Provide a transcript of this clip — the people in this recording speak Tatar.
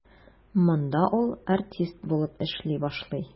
Монда ул артист булып эшли башлый.